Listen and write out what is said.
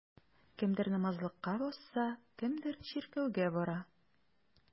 Кемдер намазлыкка басса, кемдер чиркәүгә бара.